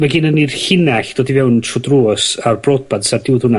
ma' gennon ni'r llinell dod i fewn trw drws a broadband sy ar diwadd hwnna.